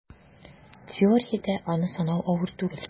Теориядә аны санау авыр түгел: